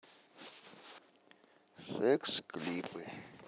секс клипы